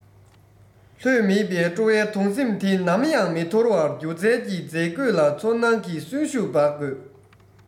ལྷོད མེད པའི སྤྲོ བའི དུངས སེམས དེ ནམ ཡང མི འདོར བར སྒྱུ རྩལ གྱི མཛེས བཀོད ལ ཚོར སྣང གི གསོན ཤུགས སྦར དགོས